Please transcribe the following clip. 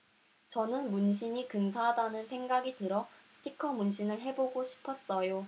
저는 문신이 근사하다는 생각이 들어 스티커 문신을 해 보고 싶었어요